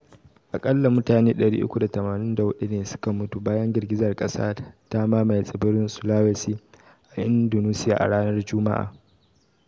Akalla mutane 384 ne suka mutu bayan girgizar kasa ta mamaye tsibirin Sulawesi a Indonesia a ranar Juma’a.